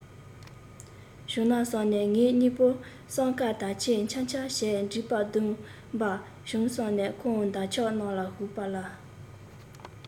བྱུང ན བསམས ནས ངེད གཉིས པོས བསམ དཀར དར ཆེན འཕྱར འཕྱར བྱས འགྲིག པ སྡུམ པ འབྱུང བསམ ནས ཁོང འདབ ཆགས རྣམས ལ ཞུས པ ལ